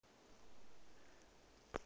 я не люблю учиться учить цептер